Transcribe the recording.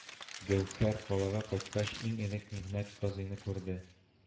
Гәүһәр, калага кайткач, иң элек Нигъмәт Казыйны күрде